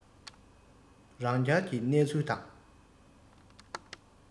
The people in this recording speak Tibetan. རང རྒྱལ གྱི གནས ཚུལ དང